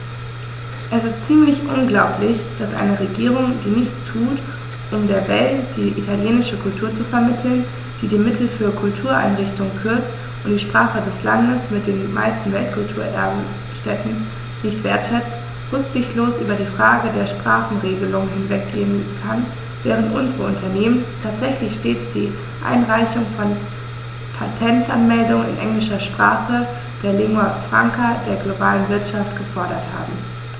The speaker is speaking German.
Es ist ziemlich unglaublich, dass eine Regierung, die nichts tut, um der Welt die italienische Kultur zu vermitteln, die die Mittel für Kultureinrichtungen kürzt und die Sprache des Landes mit den meisten Weltkulturerbe-Stätten nicht wertschätzt, rücksichtslos über die Frage der Sprachenregelung hinweggehen kann, während unsere Unternehmen tatsächlich stets die Einreichung von Patentanmeldungen in englischer Sprache, der Lingua Franca der globalen Wirtschaft, gefordert haben.